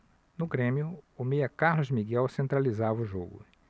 no grêmio o meia carlos miguel centralizava o jogo